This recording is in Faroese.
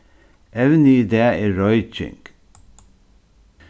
evnið í dag er royking